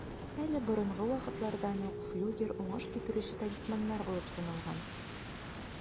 Әле борынгы вакытлардан ук флюгер уңыш китерүче талисманнар булып саналган.